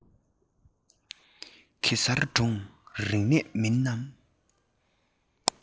གེ སར སྒྲུང རིག གནས མིན ནམ